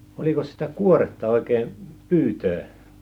olikos sitä kuoretta oikein pyytää